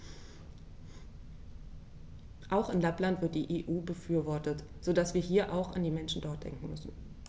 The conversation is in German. Auch in Lappland wird die EU befürwortet, so dass wir hier auch an die Menschen dort denken müssen.